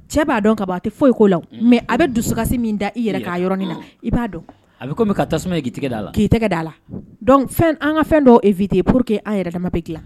Cɛ b'a dɔn ka a tɛ foyi ko la mɛ a bɛ dusukasi min da i yɛrɛ k'a yɔrɔ min na i b'a dɔn a bɛ tasuma da a la k'i tɛgɛ da a la fɛn an ka fɛn dɔ viteye pur que an yɛrɛ bɛ tila